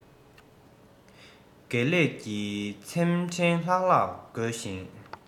དགེ ལེགས ཀྱི ཚེམས ཕྲེང ལྷག ལྷག དགོད བཞིན